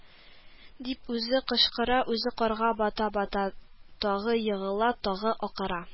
– дип үзе кычкыра, үзе карга бата-бата, тагы егыла, тагы акыра: